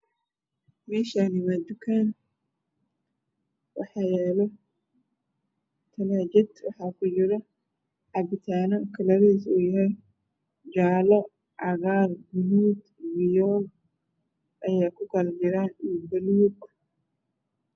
Meeshaan waa tukaan waxaa yaalo talaajad waxaa kujiro cabitaano kalaradiisu uu yahay jaalo cagaar buluug iyo fiyool ayaa ku jiro.